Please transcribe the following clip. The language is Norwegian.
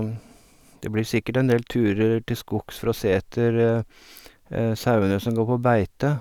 Det blir sikkert en del turer til skogs for å se etter sauene som går på beite.